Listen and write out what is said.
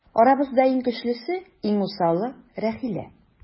Арабызда иң көчлесе, иң усалы - Рәхилә.